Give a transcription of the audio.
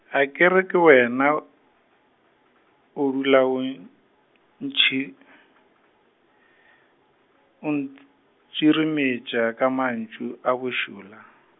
ha ke re ke wena, o dula o n-, ntšhi , o nt- tsirimetša ka mantšu a bošula.